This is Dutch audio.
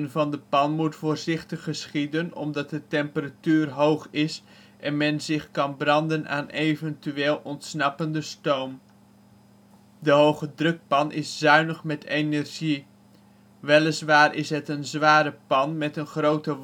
van de pan moet voorzichtig geschieden omdat de temperatuur hoog is en men zich kan branden aan eventueel ontsnappende stoom. De hogedrukpan is zuinig met energie. Weliswaar is het een zware pan met een grote